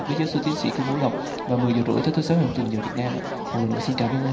phó giáo sư tiến sĩ cấn phú lộc vào mười giờ rưỡi tối thứ sáu hằng tuần giờ việt nam ạ một lần nữa xin cám ơn ông